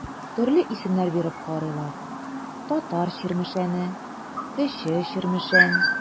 Төрле исемнәр биреп карыйлар: Татар Чирмешәне, Кече Чирмешән.